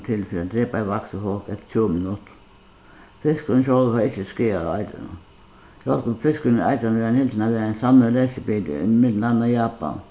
til fyri at drepa eitt vaksið fólk eftir tjúgu minuttum fiskurin sjálvur fær ikki skaða av eitrinum sjálvt um fiskurin er eitrandi verður hann hildin at vera ein sannur leskibiti í millum annað japan